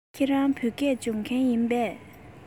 ཁྱེད རང བོད སྐད སྦྱོང མཁན ཡིན པས